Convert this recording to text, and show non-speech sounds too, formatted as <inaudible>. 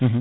<hesitation> <hesitation>